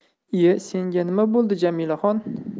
iye senga nima bo'ldi jamilaxon